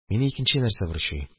Мине икенче нәрсә борчый.